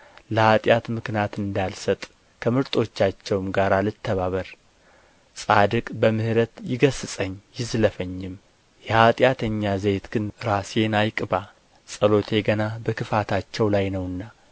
ለኃጢአት ምክንያት እንዳልሰጥ ከምርጦቻቸውም ጋር አልተባበር ጻድቅ በምሕረት ይገሥጸኝ ይዝለፈኝም የኃጢአተኛ ዘይት ግን ራሴን አይቅባ ጸሎቴ ገና በክፋታቸው ላይ ነውና